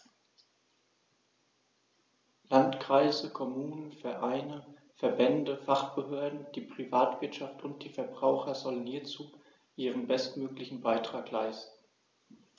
Landkreise, Kommunen, Vereine, Verbände, Fachbehörden, die Privatwirtschaft und die Verbraucher sollen hierzu ihren bestmöglichen Beitrag leisten.